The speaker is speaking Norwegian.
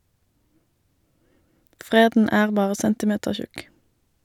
Freden er bare centimetertjukk.